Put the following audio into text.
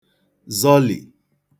zọlì